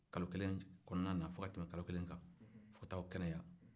kalo kelen kɔnɔna na fo ka tɛmɛ kalo kelen kan fo ka t'aw kɛnɛya